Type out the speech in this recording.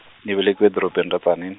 ni velekiwe edorobeni ra Tzaneen.